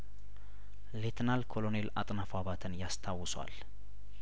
ሌትናል ኮሎኔል አጥናፉ አባተን ያስታውሷል